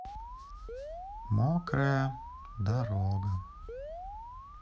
мокрая дорога